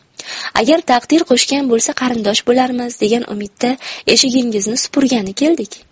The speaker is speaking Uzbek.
agar taqdir qo'shgan bo'lsa qarindosh bo'larmiz degan umidda eshigingizni supurgani keldik